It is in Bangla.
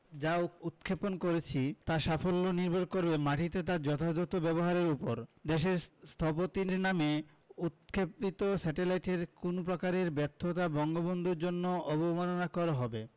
যা উৎক্ষেপণ করেছি তার সাফল্য নির্ভর করবে মাটিতে তার যথাযথ ব্যবহারের ওপর দেশের স্থপতির নামে উৎক্ষেপিত স্যাটেলাইটের কোনো প্রকারের ব্যর্থতা বঙ্গবন্ধুর জন্য অবমাননাকর হবে